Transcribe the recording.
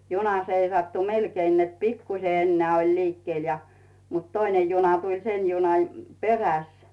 juna seisattui melkein että pikkuisen enää oli liikkeellä ja mutta toinen juna tuli sen junan perässä